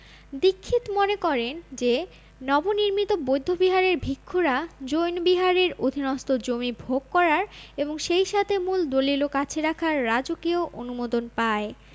দীক্ষিত মনে করেন যে নব নির্মিত বৌদ্ধ বিহারের ভিক্ষুরা জৈন বিহারের অধীনস্থ জমি ভোগ করার এবং সেই সাথে মূল দলিলও কাছে রাখার রাজকীয় অনুমোদন পায়